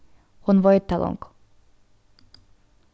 hon veit tað longu